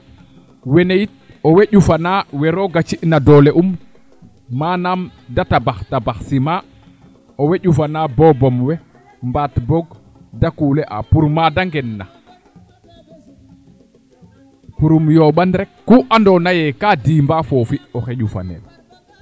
wene yit owey njufana we rooga cina doole um manaam de tabax tabax ciment owey njufana bobom we mbaat boog de kule a pour made ngen na pour im yomban rek ku ando naye kaa diima foofi oxey njufa nel